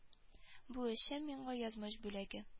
Бу эшем миңа язмыш бүләге